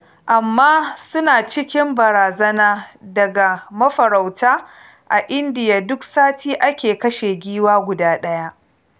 Amma su na cikin barazana daga mafarauta, a inda a duk sati ake kashe giwa guda ɗaya.